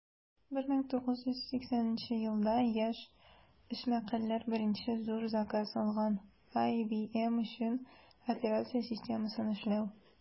1980 елда яшь эшмәкәрләр беренче зур заказ алган - ibm өчен операция системасын эшләү.